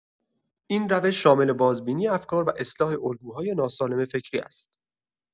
این روش شامل بازبینی افکار و اصلاح الگوهای ناسالم فکری است.